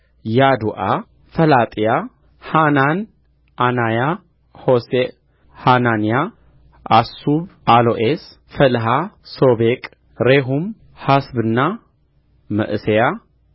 ያዱአ ፈላጥያ ሐናን ዓናያ ሆሴዕ ሐናንያ አሱብ አሎኤስ ፈልሃ ሶቤቅ ሬሁም ሐሰብና መዕሤያ